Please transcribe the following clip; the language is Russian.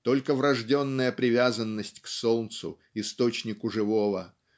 Только врожденная привязанность к солнцу источнику живого